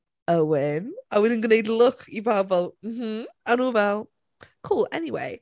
Owen. A wedyn gwneud look i bawb fel "m-hm" a nhw fel, "cool anyway."